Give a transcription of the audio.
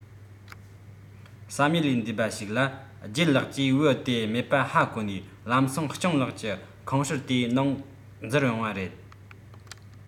བསམ ཡུལ ལས འདས པ ཞིག ལ ལྗད ལགས ཀྱིས བེའུ དེ མེད པ ཧ གོ ནས ལམ སེང སྤྱང ལགས ཀྱི ཁང ཧྲུལ དེའི ནང འཛུལ ཡོང བ རེད